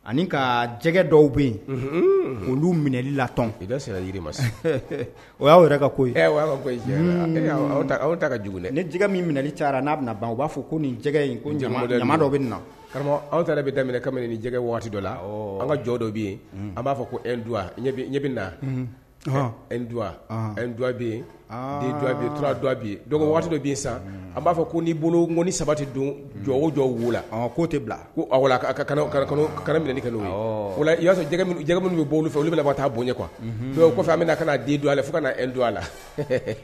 Ani ka jɛgɛgɛ dɔw bɛ yen mun minɛli la tɔn i bɛ sira jiriiri ma o y'aw yɛrɛ ka ko ka aw ta ka jugu la ni jɛgɛ min minɛli cayara n'a bɛna ban u b'a fɔ ko nin jɛgɛgɛ in ko dɔ bɛ karamɔgɔ aw taara bɛ daminɛ kabini jɛgɛ waati dɔ la an ka jɔ dɔ bɛ yen aw b'a fɔ ko ɲɛ na ewa e bɛ yen tora dɔ waati dɔ bɛ yen sa an b'a fɔ ko n'i bolo ko ni sabati don jɔ o jɔ wolo k'o tɛ bila ko ka minɛnlikɛlaw jɛgɛgɛ minnu bɛ' fɛ olu bɛ' taa bonya kuwa bɛna ka don a la fo ka e don a la